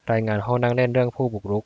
รายงานห้องนั่งเล่นเรื่องผู้บุกรุก